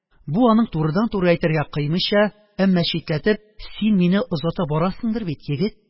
Бу аның турыдан-туры әйтергә кыймыйча, әмма читләтеп, «Син мине озата барырсыңдыр бит, егет.